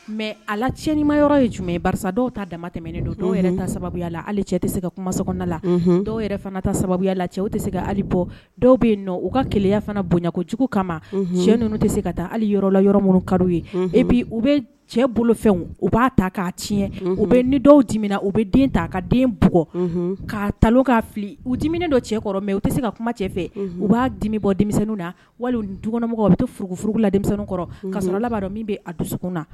Mɛ alacɲɛnanima yɔrɔ ye jumɛn ye karisa dɔw ta dama tɛmɛnen don dɔw yɛrɛ sababuya la cɛ tɛ se ka kumasoda la dɔw yɛrɛ ta sababuya la cɛw tɛ se ka hali bɔ dɔw bɛ yen nɔ u ka kɛlɛya fana bonyayankocogo kama cɛ ninnu tɛ se ka taa ali yɔrɔla yɔrɔ minnu ka ye e bi u bɛ cɛ bolo fɛn u b'a ta k' tiɲɛ u bɛ ni dɔw dimina u bɛ den ta ka den bugɔ' talo k ka fili u dimina don cɛkɔrɔ mɛ u tɛ se ka kuma cɛ fɛ u b'a dimi bɔ denmisɛnnin na wali dumunikɔnɔmɔgɔ u bɛ furu furuuru lakɔrɔ ka sɔrɔ laban dɔn min bɛ a dusu na